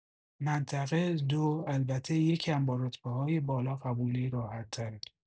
منطقه دو البته یکم با رتبه‌های بالا قبولی راحت تره